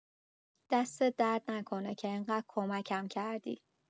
دستت درد نکند که انقدر کمکم کردی.